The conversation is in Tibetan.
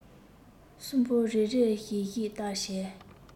གསུམ པོ རེ རེ བཞིན ཞིབ ལྟ བྱས